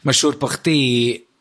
masiwr bod chdi